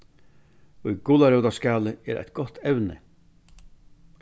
í gularótaskali er eitt gott evni